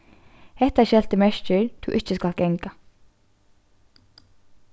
hetta skeltið merkir tú ikki skalt ganga